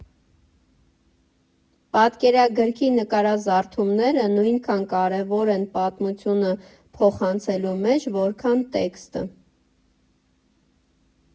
Պատկերագրքի նկարազարդումները նույնքան կարևոր են պատմությունը փոխանցելու մեջ, որքան տեքստը։